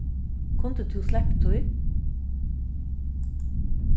kundi tú slept tí